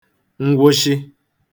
ngwụshị